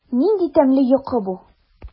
Нинди тәмле йокы бу!